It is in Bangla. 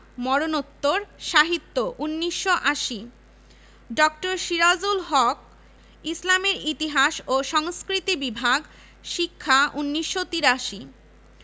১৯৯১ সালে বাংলাদেশের মুক্তিযুদ্ধের ইতিহাস ছাড়াও বায়ান্নর মহান ভাষা দিবস ছেষট্টির স্বায়ত্তশাসন আন্দোলন